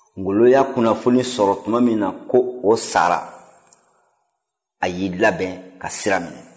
ngɔlɔ y'o kunnafoni sɔrɔ tuma min na ko o sara a y'i labɛn ka sira minɛ